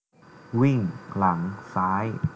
วิ่งหลังซ้าย